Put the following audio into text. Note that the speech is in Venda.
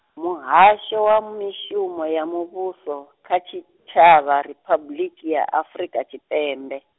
Muhasho wa Mishumo ya Muvhuso, kha Tshitshavha Riphabuḽiki ya Afrika Tshipembe.